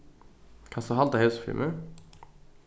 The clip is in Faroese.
kanst tú halda hesum fyri meg